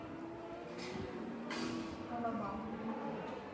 алабама